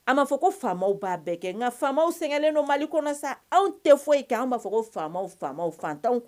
A b'a fɔ ko faamaw' bɛɛ kɛ nka faama sɛgɛnlen don mali kɔnɔ sa anw tɛ fɔ kan anw b'a fɔ ko faama faamatan